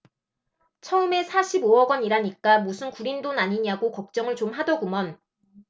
처음엔 사십 오 억원이라니까 무슨 구린 돈 아니냐고 걱정을 좀 하더구먼